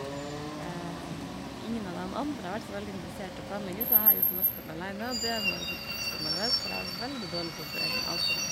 Ingen av dem andre har vært så veldig interessert i å planlegge, så jeg har gjort mesteparten aleine, og det gjør meg litt sånn ekstra nervøs, for jeg er veldig dårlig på å beregne avstander.